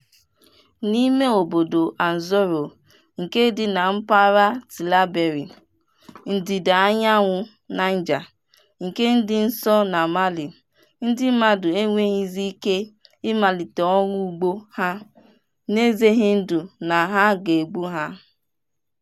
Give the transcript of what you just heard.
N'imeobodo Anzourou, nke dị na mpaghara Tillabéri [south-west Niger, nke dị nso na Mali], ndị mmadụ enweghịzi ike ịmalite ọrụ ugbo ha n'ezeghịndụ na ha ga-egbu ha.